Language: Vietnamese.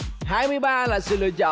hai mươi ba là sự lựa chọn